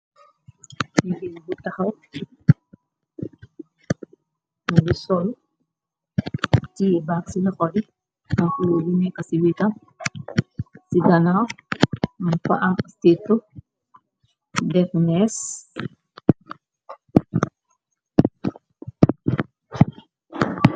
Ci fir bu taxaw mugi sollu cii baag ci laxori anxulu yu nekka ci wita ci danaw mu pa am steto defnees.